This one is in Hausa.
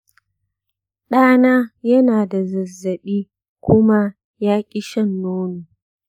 ɗana yana da zazzaɓi kuma ya ƙi shan nono.